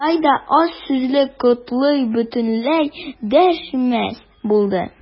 Болай да аз сүзле Котлый бөтенләй дәшмәс булды.